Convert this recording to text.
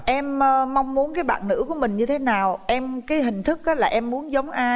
em mong muốn cái bạn nữ của mình như thế nào em mong muốn cái hình thức là em muốn giống ai